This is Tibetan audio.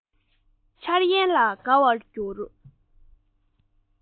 འཆར ཡན ལ དགའ བར གྱུར